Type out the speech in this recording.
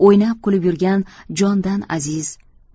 o'ynab kulib yurgan jondan aziz